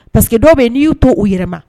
Pariseke dɔ bɛ n'i y'u to u yɛrɛma